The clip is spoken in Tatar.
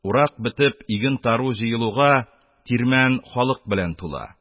Урак бетеп, иген-тару җыелуга, тегермән халык белән тула.